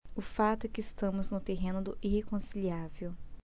o fato é que estamos no terreno do irreconciliável